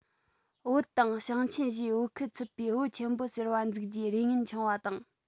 བོད དང ཞིང ཆེན བཞིའི བོད ཁུལ ཚུད པའི བོད ཆེན པོ ཟེར བ འཛུགས རྒྱུའི རེ ངན འཆང བ དང